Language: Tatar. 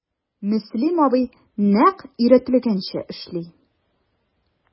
Мөслих абый нәкъ өйрәтелгәнчә эшли...